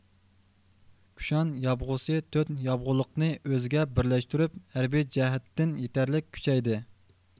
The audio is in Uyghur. كۇشان يابغۇسى تۆت يابغۇلۇقنى ئۆزىگە بىرلەشتۈرۈپ ھەربىي جەھەتتىن يېتەرلىك كۈچەيدى